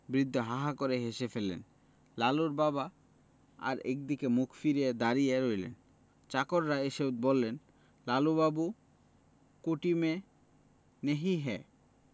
বৃদ্ধ হাঃ হাঃ করে হেসে ফেললেন লালুর বাবা আর একদিকে মুখ ফিরিয়ে দাঁড়িয়ে রইলেন চাকররা এসে বললে লালুবাবু কোঠি মে নহি হ্যায়